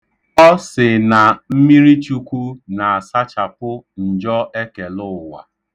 Ọ sị na mmirichukwu na-asachapụ njọ ekelụụwa.